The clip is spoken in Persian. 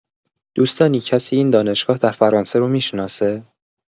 دوستانی کسی این دانشگاه در فرانسه رو می‌شناسه؟